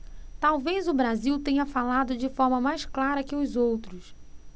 talvez o brasil tenha falado de forma mais clara que os outros